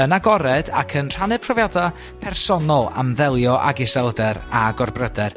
yn agored ac yn rhannu profiada personol am ddelio ag iselder a gorbryder,